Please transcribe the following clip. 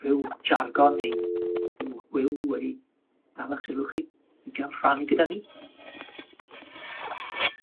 rhyw jargon neu ryw hwyl wedi dal 'ych sylw chi i ga'l rhannu gyda ni?